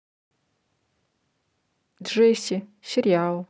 джесси сериал